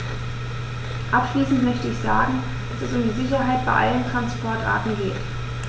Abschließend möchte ich sagen, dass es um die Sicherheit bei allen Transportarten geht.